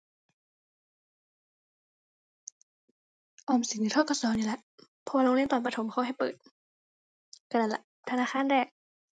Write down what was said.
ออมสินหรือ ธ.ก.ส. นี่แหละ เพราะว่าโรงเรียนตอนประถมเขาให้เปิด ก็นั่นล่ะธนาคารแรก